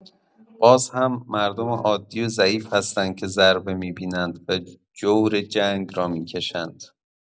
باز هم مردم عادی و ضعیف هستند که ضربه می‌بینند و جور جنگ را می‌کشند.